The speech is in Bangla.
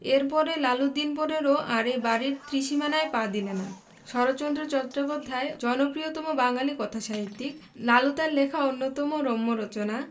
এর পরে লালু দিন পনেরো আর এ বাড়ির ত্রিসীমানায় পা দিলে না শরৎচন্দ্র চট্টোপাধ্যায় জনপ্রিয়তম বাঙালি কথাসাহিত্যিক লালু তার লেখা অন্যতম রম্য রচনা